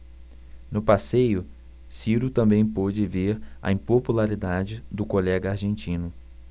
no passeio ciro também pôde ver a impopularidade do colega argentino